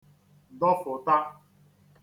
dọfụta